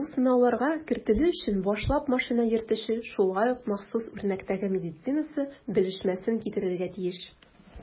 Бу сынауларга кертелү өчен башлап машина йөртүче шулай ук махсус үрнәктәге медицинасы белешмәсен китерергә тиеш.